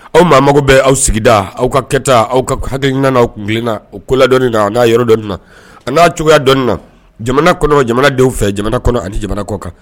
Aw maa mago bɛ aw sigida aw ka kɛ taa aw ka hakɛinaaw kunna o ko ladɔ na a n'a yɔrɔ dɔn na an n'a cogoya dɔn na jamana kɔnɔ jamana dɔw fɛ jamana kɔnɔ ani jamana kɔ kan